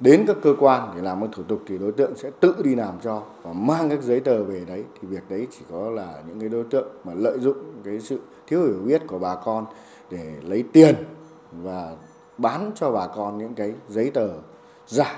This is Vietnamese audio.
đến các cơ quan để làm thủ tục thì đối tượng sẽ tự đi làm cho và mang các giấy tờ về đấy thì việc đấy chỉ có là những người đối tượng mà lợi dụng gây sự thiếu hiểu biết của bà con để lấy tiền và bán cho bà con những cái giấy tờ giả